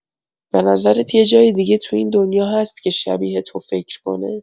به نظرت یه جای دیگه توی این دنیا هست که شبیه تو فکر کنه؟